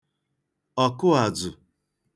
ọ̀kụ àdzụ̀